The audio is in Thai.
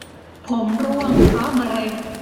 ผมร่วงเพราะมะเร็ง